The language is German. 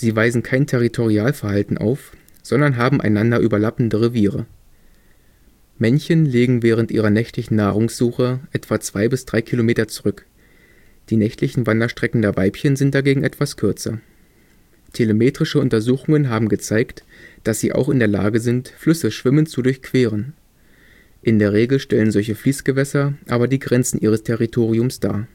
weisen kein Territorialverhalten auf, sondern haben einander überlappende Reviere. Männchen legen während ihrer nächtlichen Nahrungssuche etwa zwei bis drei Kilometer zurück. Die nächtlichen Wanderstrecken der Weibchen sind dagegen etwas kürzer. Telemetrische Untersuchungen haben gezeigt, dass sie auch in der Lage sind, Flüsse schwimmend zu durchqueren. In der Regel stellen solche Fließgewässer aber die Grenzen ihres Territoriums dar